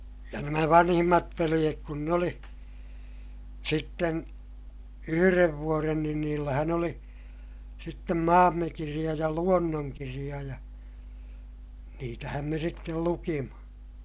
ja nämä vanhimmat veljet kun ne oli sitten yhden vuoden niin niillähän oli sitten Maammekirja ja Luonnonkirja ja niitähän me sitten luimme